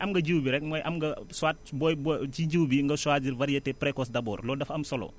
mooy am nga jiw bi rek mooy am nga soit booy boo ci jiw bi nga choisir variété précoce d' :abord loolu dafa am solo